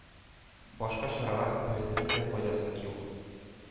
Башка чаралар – берсенең дә файдасы юк.